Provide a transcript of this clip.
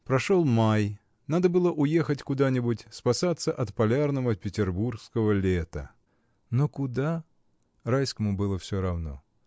Прошел май. Надо было уехать куда-нибудь, спасаться от полярного петербургского лета. Но куда? Райскому было всё равно.